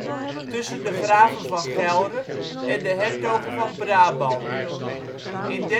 tussen de graven van Gelre en de hertogen van Brabant. In 1339